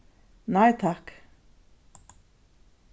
nei takk